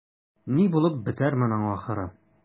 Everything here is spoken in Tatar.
Ни булып бетәр моның ахыры?